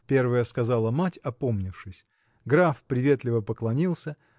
– первая сказала мать, опомнившись. Граф приветливо поклонился.